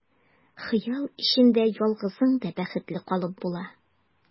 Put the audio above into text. Хыял эчендә ялгызың да бәхетле калып була.